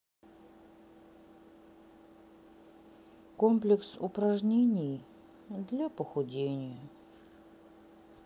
комплекс упражнений для похудения